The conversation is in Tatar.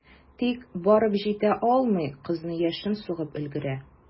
Тик барып җитә алмый, кызны яшен сугып өлгерә.